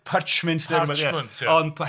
Parchment 'di o... Parchment ia.